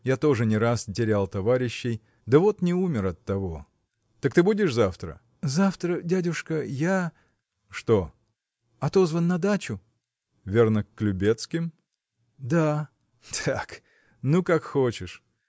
Я тоже не раз терял товарищей, да вот не умер от того. Так ты будешь завтра? – Завтра, дядюшка, я. – Что? – Отозван на дачу. – Верно, к Любецким? – Да. – Так! Ну, как хочешь.